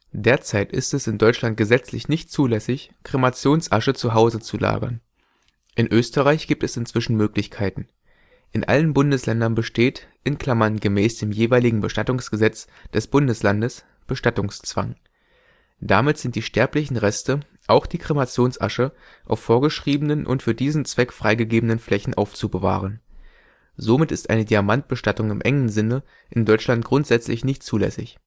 Derzeit ist es in Deutschland gesetzlich nicht zulässig, Kremationsasche zu Hause zu lagern. In Österreich gibt es inzwischen Möglichkeiten. In allen Bundesländern besteht (gemäß dem jeweiligen Bestattungsgesetz des Bundeslandes) Bestattungszwang. Damit sind die sterblichen Reste, auch die Kremationsasche, auf vorgeschriebenen und für diesen Zweck freigegebenen Flächen aufzubewahren. Somit ist Diamantbestattung im engen Sinne in Deutschland grundsätzlich nicht zulässig